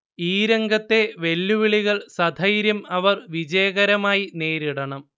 ഈ രംഗത്തെ വെല്ലുവിളികൾ സധൈര്യം അവർ വിജയകരമായി നേരിടണം